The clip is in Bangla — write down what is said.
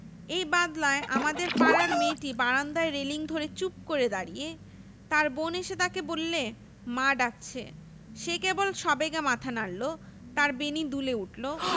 এই বাদলায় আমাদের পাড়ার মেয়েটি বারান্দায় রেলিঙ ধরে চুপ করে দাঁড়িয়ে তার বোন এসে তাকে বললে মা ডাকছে সে কেবল সবেগে মাথা নাড়ল তার বেণী দুলে উঠল